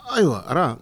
Ayiwa a